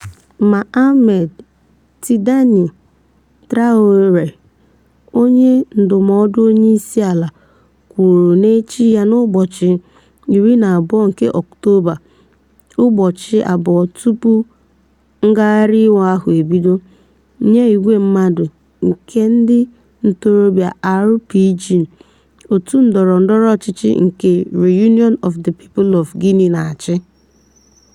Ma, Ahmed Tidiane Traoré, onye ndụmọdụ onyeisiala, kwuru n'echi ya n'ụbọchị 12 nke Ọktoba, —ụbọchị abụọ tupu ngagharị iwe ahụ ebido, — nye igwe mmadụ nke ndị ntorobịa RPG [òtù ndọrọ ndọrọ ọchịchị nke Reunion of the People of Guinea na-achị]: